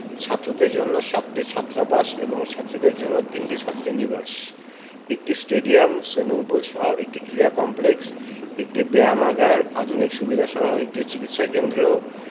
ছাত্রদের জন্য সাতটি ছাত্রাবাস ও ছাত্রীদের জন্য তিনটি ছাত্রীনিবাস একটি স্টেডিয়াম সুইমিং পুলসহ একটি ক্রীড়া কমপ্লেক্স একটি ব্যায়ামাগার আধুনিক সুবিধাসহ একটি চিকিৎসা কেন্দ্র